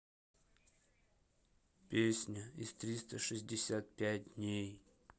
песня из триста шестьдесят пять дней